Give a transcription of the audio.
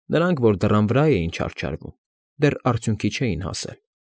Նրանք, որ դռան վրա էին չարչարվում, դեռ արդյունքի չէին հասել։